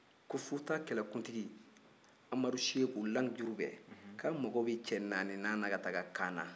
ko futa kɛlɛkunti amadu seku lamijurubɛ ko a mago cɛ naaninan na ka taa kaana